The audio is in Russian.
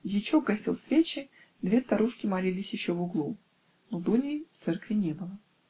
дьячок гасил свечи, две старушки молились еще в углу но Дуни в церкви не было.